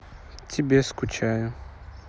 тебе скучаю